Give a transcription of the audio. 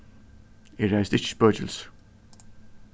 eg ræðist ikki spøkilsir